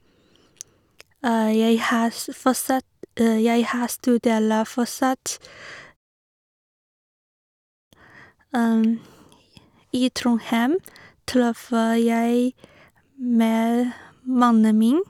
jeg har s fortsatt Jeg her studerer fortsatt I Trondheim treffer jeg med mannen min.